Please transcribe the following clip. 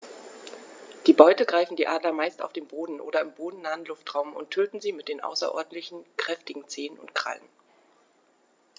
Die Beute greifen die Adler meist auf dem Boden oder im bodennahen Luftraum und töten sie mit den außerordentlich kräftigen Zehen und Krallen.